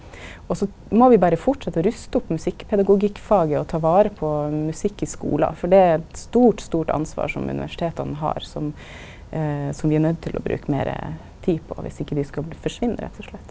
og så må vi berre fortsetta å rusta opp musikkpedagogikkfaget og ta vare på musikk i skulen, for det er eit stort, stort ansvar som universiteta har som som vi er nøydde til å bruka meir tid på viss ikkje dei skal forsvinna rett og slett.